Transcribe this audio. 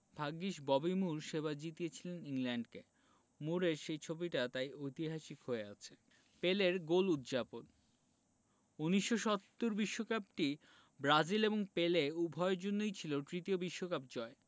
ভাগ্যিস Bobby Moore সেবার জিতিয়েছিলেন ইংল্যান্ডকে মুরের সেই ছবিটা তাই ঐতিহাসিক হয়ে আছে পেলের গোল উদ্ যাপন ১৯৭০ বিশ্বকাপটি ব্রাজিল এবং পেলে উভয়ের জন্যই ছিল তৃতীয় বিশ্বকাপ জয়